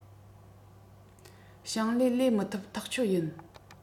ཞིང ལས ལས མི ཐུབ ཐག ཆོད ཡིན